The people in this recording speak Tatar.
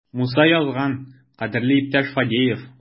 Муса язган: "Кадерле иптәш Фадеев!"